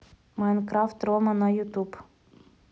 майнкрафт рома на ютуб